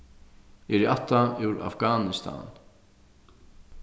eg eri ættað úr afganistan